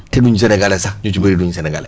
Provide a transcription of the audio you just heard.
te duñ sénégalais sax ñu ci bëri duñ sénégalais